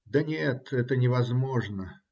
Да нет, это невозможно!